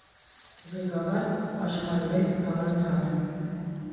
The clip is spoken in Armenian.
Ղեկավար՝ Աշխարհբեկ Քալանթար։